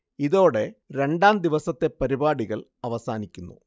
ഇതോടെ രണ്ടാം ദിവസത്തെ പരിപാടികള്‍ അവസാനിക്കുന്നു